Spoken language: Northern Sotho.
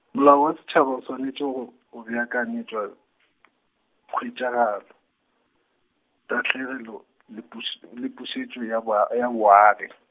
molao wa setšhaba o swanetše go, go beakanyetšwa , khwetšagalo, tahlegelo le puš- , le pušetšo ya boa- ya boagi.